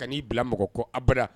Ka n'i bila mɔgɔ ko abada